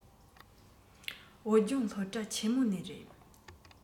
བོད ལྗོངས སློབ གྲྭ ཆེན མོ ནས རེད